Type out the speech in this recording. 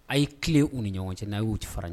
A ye tilen u ni ɲɔgɔn cɛ n'a y'u ti fara ɲ